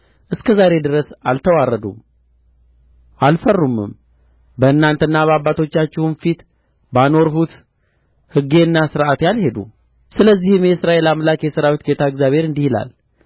እስከ ዛሬ ድረስ አልተዋረዱም አልፈሩምም በእናንተና በአባቶቻችሁም ፊት ባኖርሁት ሕጌና ሥርዓቴ አልሄዱም ስለዚህም የእስራኤል አምላክ የሠራዊት ጌታ እግዚአብሔር እንዲ ይላል